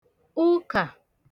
ụkà